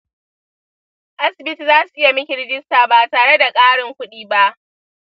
asibit zasu iya miki rijista ba tare da karin kudi ba.